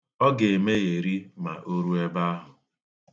Ọ ga-emegheri ma o ruo ebe ahụ.